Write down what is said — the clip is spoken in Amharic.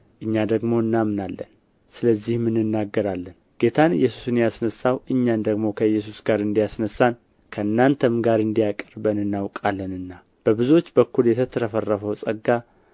እኛ ደግሞ እናምናለን ስለዚህም እንናገራለን ጌታን ኢየሱስን ያስነሣው እኛን ደግሞ ከኢየሱስ ጋር እንዲያስነሣን ከእናንተም ጋር እንዲያቀርበን እናውቃለንና በብዙዎች በኩል የተትረፈረፈው ጸጋ